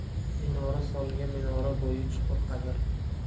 minora solgan minora bo'yi chuqur qazir